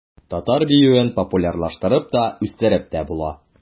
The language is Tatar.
Татар биюен популярлаштырып та, үстереп тә була.